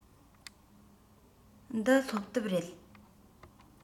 འདི སློབ དེབ རེད